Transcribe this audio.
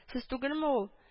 Сез түгелме ул